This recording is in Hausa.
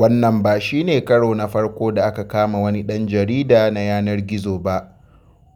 Wannan ba shi ne karo na farko da aka kama wani ɗan jarida na yanar gizo ba;